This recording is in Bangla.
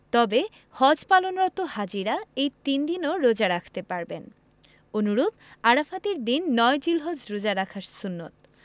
তবে হজ পালনরত হাজিরা এই তিন দিনও রোজা রাখতে পারবেন অনুরূপ আরাফাতের দিন ৯ জিলহজ রোজা রাখা সুন্নাত